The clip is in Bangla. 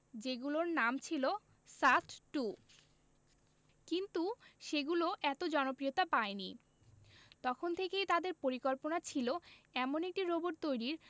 যেগুলোর নাম ছিল সাস্ট টু কিন্তু সেগুলো এত জনপ্রিয়তা পায়নি তখন থেকেই তাদের পরিকল্পনা ছিল এমন একটি রোবট তৈরির